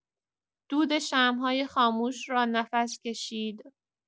دود شمع‌های خاموش را نفس کشید.